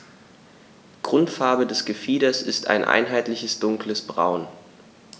Grundfarbe des Gefieders ist ein einheitliches dunkles Braun.